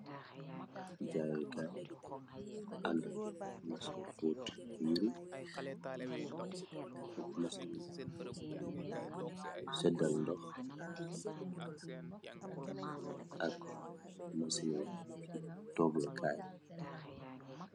Jayekaay andak masinu fot yire, ak masini seddal ndox, ak masinu togekaay.